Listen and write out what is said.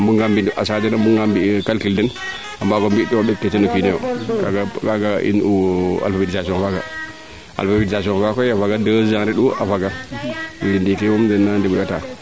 a mbuga nga mbi achat den a mbuga nga mbi calcule den a mbbago mbi to ɓek kee teeno kiinoyo kaaga in u alphabetisation faaga alphabetisation faa koy a faga deux ans reend u a faga i ndiiki moom den na ndimle ata